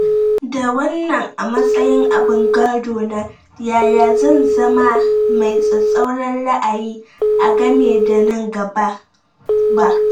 Da wannan a matsayin abun gado na, yaya zan zama mai tsatsauran ra’ayi a game da nan gaba ba?”